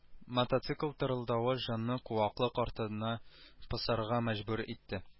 Мотоцикл тырылдавы жанны-куаклык артына посарга мәҗбүр итте